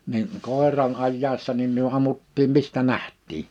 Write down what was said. niin koiran ajaessa niin me ammuttiin mistä nähtiin